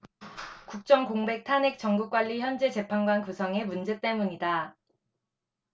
국정 공백 탄핵 정국 관리 헌재 재판관 구성의 문제 때문이다